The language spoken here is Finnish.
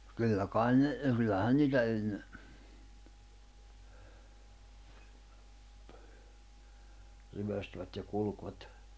kyllä kai ne kyllähän niitä ennen ryöstivät ja kulkivat